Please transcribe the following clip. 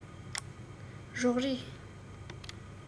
རོགས རེས